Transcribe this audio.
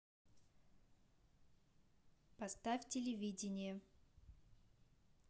поставь телевидение